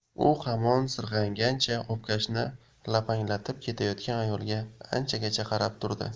u hamon sirg'angancha obkashini lapanglatib ketayotgan ayolga anchagacha qarab turdi